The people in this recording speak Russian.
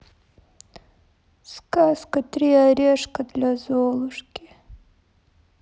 сказка три орешка для золушки